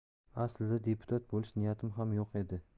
aslida deputat bo'lish niyatim ham yo'q edi